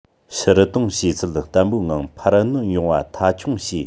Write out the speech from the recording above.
ཕྱིར གཏོང བྱེད ཚད བརྟན པོའི ངང འཕར སྣོན ཡོང བ མཐའ འཁྱོངས བྱེད